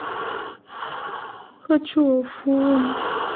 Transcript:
хочу афоню